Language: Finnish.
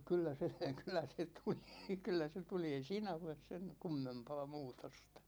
kyllä se kyllä se tuli kyllä se tuli ei siinä ole sen kummempaa muutosta